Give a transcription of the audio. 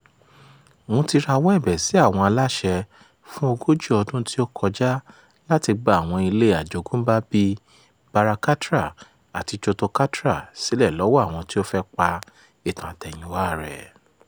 Mo ti rawọ́ ẹ̀bẹ̀ sí àwọn aláṣẹ fún ogójì ọdún tí ó kọjá láti gba àwọn ilé àjogúnbá bíi Bara Katra àti Choto Katra sílẹ̀ lọ́wọ́ àwọn tí ó fẹ́ pa ìtàn àtẹ̀yìnwá rẹ́.